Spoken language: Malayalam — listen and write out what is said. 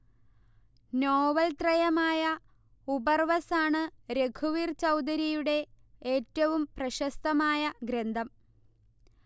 നോവൽത്രയമായ ഉപർവസാണ് രഘുവീർ ചൗധരിയുടെ ഏറ്റവും പ്രശസ്തമായ ഗ്രന്ഥം